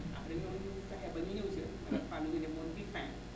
après ñoom ñu fexe ba ñu ñëw épargne bi ñu defoon biir *